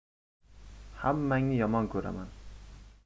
hammangni yomon ko'raman